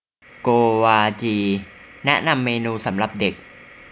โกวาจีแนะนำเมนูสำหรับเด็ก